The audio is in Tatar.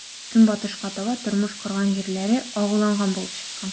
Көнбатышка таба тормыш корган җирләре агуланган булып чыккан.